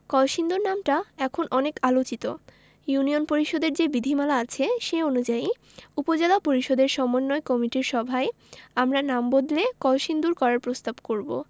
কলসিন্দুর নামটা এখন অনেক আলোচিত ইউনিয়ন পরিষদের যে বিধিমালা আছে সে অনুযায়ী উপজেলা পরিষদের সমন্বয় কমিটির সভায় আমরা নাম বদলে কলসিন্দুর করার প্রস্তাব করব